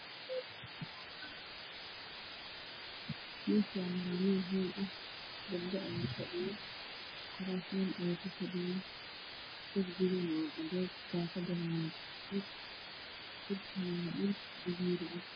Meeshani waa meel hool ah gabdho aya fadhiyo kuraasman ayay ku fa dhiyan darbigana waa cadees daqadana waa gaduud dhulkana waa dhul dimeeri ah